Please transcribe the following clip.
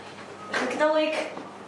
Chi'n lico 'Dolig?